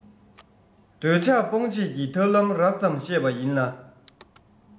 འདོད ཆགས སྤོང བྱེད ཀྱི ཐབས ལམ རགས ཙམ བཤད པ ཡིན ལ